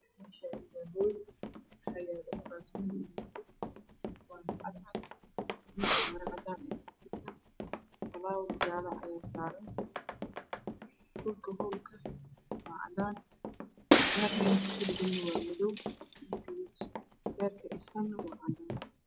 Meeshaan waa hool waxaa yaalo kuraasman iyo miisas waa cadcad miiska maro cad ayaa kufidsan falaawar jaalo ah ayaa saaran dhulkana waa cadaan leyrka meesha kudhagan waa madow iyo gaduud . Leyrka ifaayo waa cadaan.